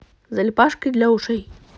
залипашки для ушей